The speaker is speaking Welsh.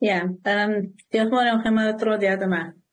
Ia, yym, diolch yn fawr iawn chi am y adroddiad yma.